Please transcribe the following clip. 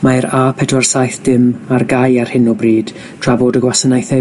Mae'r A pedwar saith dim ar gau ar hyn o bryd, tra bod y gwasanaethau